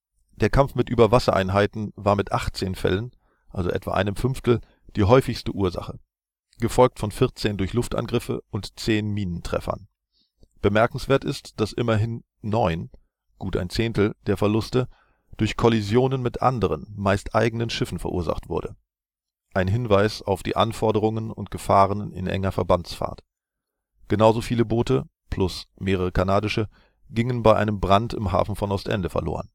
Der Kampf mit Überwassereinheiten war mit 18 Fällen (etwa einem Fünftel) die häufigste Ursache, gefolgt von 14 durch Luftangriffe und 10 Minentreffern. Bemerkenswert ist, dass immerhin 9 (gut ein Zehntel) der Verluste durch Kollisionen mit anderen, meist eigenen Schiffen verursacht wurde. Ein Hinweis auf die Anforderungen und Gefahren in enger Verbandsfahrt. Genau so viele Boote (+ mehrere kanadische) gingen bei einem Brand im Hafen von Ostende verloren